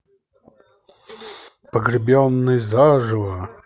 погребенный заживо